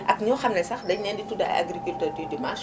ak ñoo xam ni sax dañu leen di tuddee ay agriculteurs du dimanche